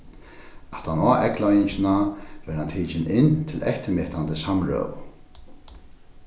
aftan á eygleiðingina varð hann tikin inn til eftirmetandi samrøðu